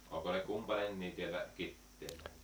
onko ne kumpainenkin täältä Kiteeltä